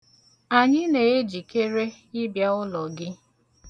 Anyị na-ejikere ịbịa ụlọ gị.